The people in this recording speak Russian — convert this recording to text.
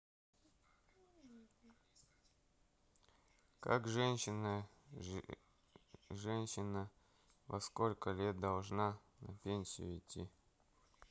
как женщина женщина во сколько лет должна на пенсию уйти